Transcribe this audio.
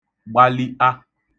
gbali('a)